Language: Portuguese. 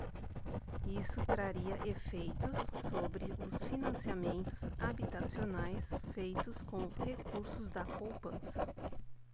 isso traria efeitos sobre os financiamentos habitacionais feitos com recursos da poupança